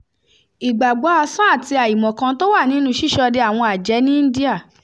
Ìgbàgbọ́-asán àti àìmọ̀kan tó wà nínú ṣíṣọde àwọn àjẹ́ ní India